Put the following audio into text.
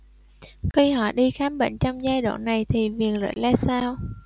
khi họ đi khám bệnh trong giai đoạn này thì quyền lợi ra sao